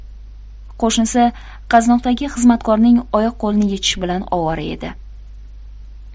qo'shnisi qaznoqdagi xizmatkorning oyoq qo'lini yechish bilan ovora edi